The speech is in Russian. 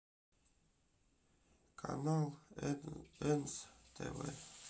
канал энс тв